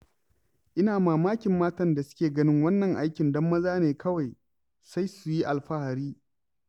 Ina mamakin matan da suke ganin wannan aikin don maza ne kawai, sai su yi alfahari.